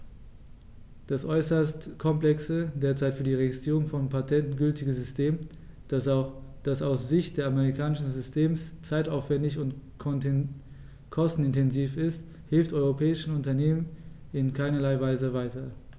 Das äußerst komplexe, derzeit für die Registrierung von Patenten gültige System, das aus Sicht des amerikanischen Systems zeitaufwändig und kostenintensiv ist, hilft europäischen Unternehmern in keinerlei Weise weiter.